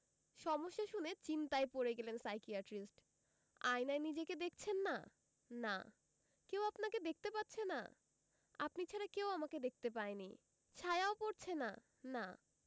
সমস্যা শুনে চিন্তায় পড়ে গেলেন সাইকিয়াট্রিস্ট আয়নায় নিজেকে দেখছেন না না কেউ আপনাকে দেখতে পাচ্ছে না আপনি ছাড়া কেউ আমাকে দেখতে পায়নি ছায়াও পড়ছে না না